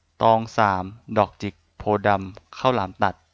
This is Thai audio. ตองสามดอกจิกโพธิ์ดำข้าวหลามตัด